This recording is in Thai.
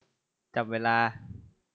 จับเวลา